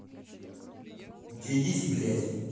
у тебя есть блядь